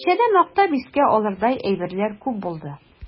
Кичәдә мактап искә алырдай әйберләр күп булды.